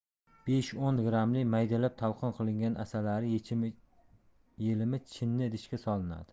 besh o'n grammli maydalab talqon qilingan asalari yelimi chinni idishga solinadi